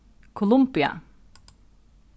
kolumbia